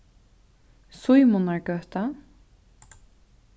símunargøta